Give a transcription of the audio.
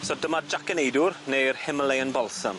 So dyma Jac y Neidwr, neu'r Himalayan Balsam.